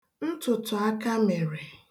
ntụ̀tụ̀akamèrè